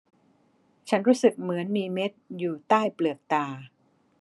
ฉันรู้สึกเหมือนมีเม็ดอยู่ใต้เปลือกตา